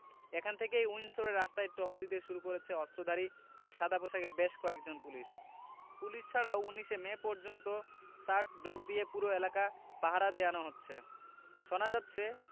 এখান থেকেই উইন্ডসরের রাস্তায় টহল দিতে শুরু করেছে অস্ত্রধারী এ সাদাপোশাকের বেশ কয়েকজন পুলিশ পুলিশ ছাড়াও ১৯ মে পর্যন্ত সার্চ ডগ দিয়ে পুরো এলাকা পাহারা দেওয়ানো হচ্ছে শোনা যাচ্ছে